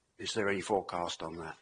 Is there any forecast on that?